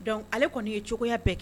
Donc ale kɔni ye cogoya bɛɛ kɛ